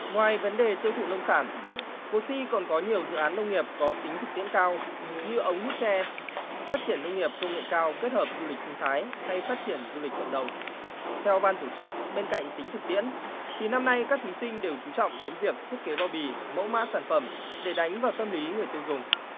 ngoài vấn đề tiêu thụ nông sản cuộc thi còn có nhiều dự án nông nghiệp có tính thực tiễn cao như ống hút tre phát triển nông nghiệp công nghệ cao kết hợp du lịch sinh thái hay phát triển du lịch cộng đồng theo ban tổ chức bên cạnh tính thực tiễn thì năm nay các thí sinh đều chú trọng đến việc thiết kế bao bì mẫu mã sản phẩm để đánh vào tâm lý người tiêu dùng